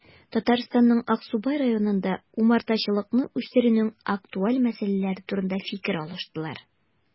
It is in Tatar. Татарстанның Аксубай районында умартачылыкны үстерүнең актуаль мәсьәләләре турында фикер алыштылар